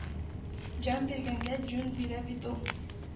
Җан биргәнгә җүн бирә бит ул.